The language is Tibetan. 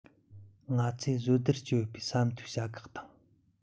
ང ཚོས གཟོད སྡེར སྐྱི ཡོད པའི ས མཐོའི བྱ གག དང